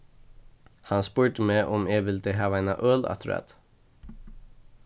hann spurdi meg um eg vildi hava eina øl afturat